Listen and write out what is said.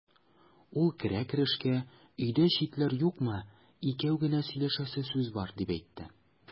Ул керә-керешкә: "Өйдә читләр юкмы, икәү генә сөйләшәсе сүз бар", дип әйтте.